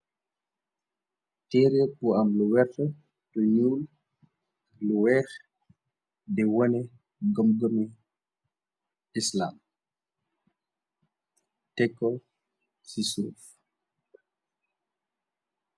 Tere bu am lu wertax lu nuul lu weex di wone gum gumi Islam tekko si suuf.